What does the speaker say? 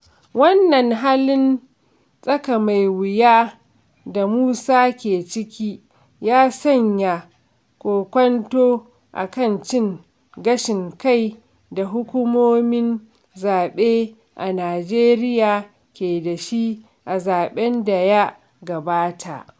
Wannan halin tsaka mai wuya da Musa ke ciki ya sanya kokwanto a kan cin gashin kai da hukumomin zaɓe a Nijeriya ke da shi a zaɓen da ya gabata.